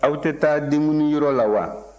aw tɛ taa denkundiyɔrɔ la wa